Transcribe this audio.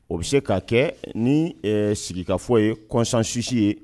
O bɛ se ka kɛ ni sigika fɔ ye kɔsansusi ye